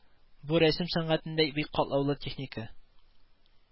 Бу рәсем сәнгатендә бик катлаулы техника